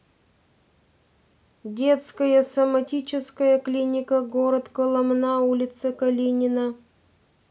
детская соматическая клиника город коломна улица калинина